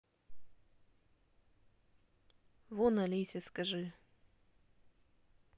вон алисе скажи